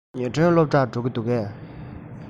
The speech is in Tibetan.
ཉི སྒྲོན སློབ གྲྭར འགྲོ གི འདུག གས